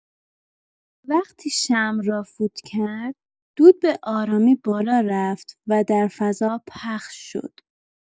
وقتی شمع را فوت کرد، دود به‌آرامی بالا رفت و در فضا پخش شد